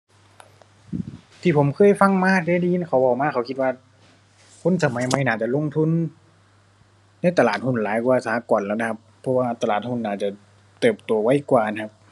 ที่ผมเคยฟังมาเดะ ได้ยินเขาเว้ามา เขาคิดว่า คนสมัยใหม่น่าจะลงทุนในตลาดหุ้นหลายกว่าสหกรณ์แล้วนะครับ เพราะว่าตลาดหุ้นน่าจะเติบโตไวกว่านะครับ